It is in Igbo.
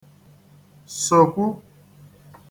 sòkwu